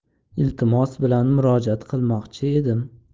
iltimos bilan murojaat qilmoqchi edim